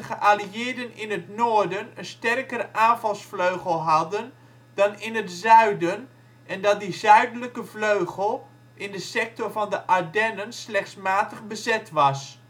in het noorden een sterkere aanvalsvleugel hadden dan in het zuiden en dat die zuidelijke vleugel in de sector van de Ardennen slechts matig bezet was